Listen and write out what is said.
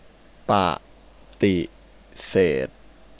ปฏิเสธ